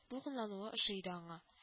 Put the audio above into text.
Дулкынлануы ошый иде аңа